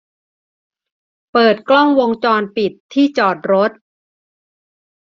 เปิดกล้องวงจรปิดที่จอดรถ